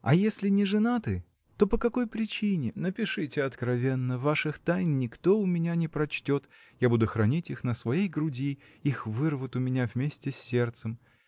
А если не женаты, то по какой причине – напишите откровенно ваших тайн никто у меня не прочтет я буду хранить их на своей груди их вырвут у меня вместе с сердцем.